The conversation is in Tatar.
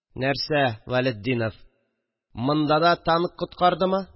– нәрсә, вәлетдинов, монда да танк коткардымы